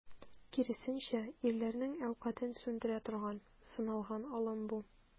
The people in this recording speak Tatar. Киресенчә, ирләрнең әүкатен сүндерә торган, сыналган алым бу.